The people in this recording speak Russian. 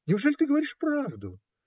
Неужели ты говоришь правду?